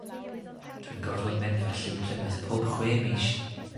Dwi'n gorfod mynd felly i Plymouth pob chwe mis